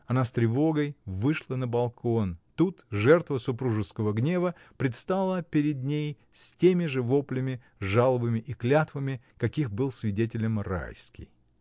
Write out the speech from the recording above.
Она с тревогой вышла на балкон: тут жертва супружеского гнева предстала перед ней с теми же воплями, жалобами и клятвами, каких был свидетелем Райский.